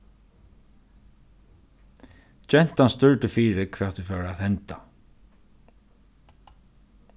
gentan stúrdi fyri hvat ið fór at henda